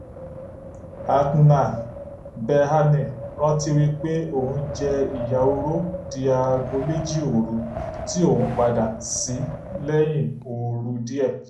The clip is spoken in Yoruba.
Atnaf Berhane rántí wípé òún jẹ ìyà oró di aago méjì òru tí òún padà sí lẹ́yìn oorun díẹ̀.